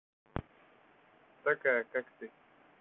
такая как ты